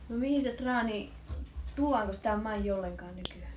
no mihin se traani tuodaanko sitä maihin ollenkaan nykyään